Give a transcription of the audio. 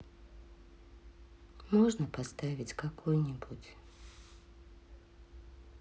можно поставить какой нибудь